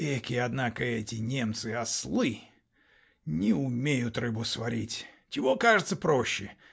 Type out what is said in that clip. Экие, однако, эти немцы -- ослы! Не умеют рыбу сварить. Чего, кажется, проще?